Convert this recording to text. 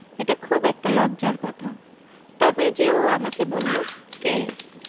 এটা খুব একটা লজ্জার কথা তবে যে ও আমাকে বললো কে